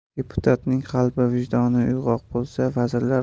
deputatning qalbi vijdoni uyg'oq bo'lsa vazirlar